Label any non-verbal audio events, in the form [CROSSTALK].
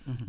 [HESITATION] [HESITATION]